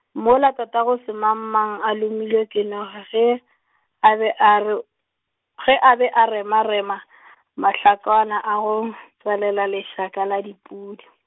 mola tatagosemangmang a lomilwe ke noga ge, a be a re, ge a be a remarema , mahlakwana a go, tswalela lešaka la dipudi.